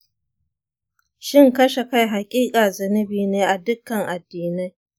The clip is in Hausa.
shin kashe kai hakika zunubi ne a dukkan addinai?